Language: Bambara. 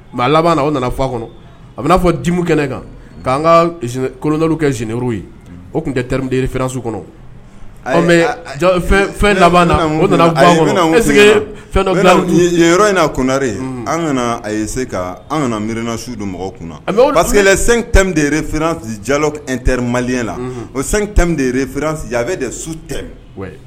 Mɛ laban o nana faa kɔnɔ a bɛ'a fɔ diumu kɛnɛ kan k'an ka kolonda kɛ zero ye o tunere fran su kɔnɔ fɛn laban fɛn in naa kunnare an a se ka an kana miirirna su don mɔgɔw kun sigilen san de fsi jalo teri maliya la o sanm de fransi a bɛ de su tɛ